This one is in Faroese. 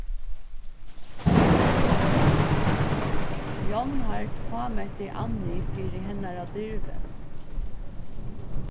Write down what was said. jonhard hámetti anni fyri hennara dirvi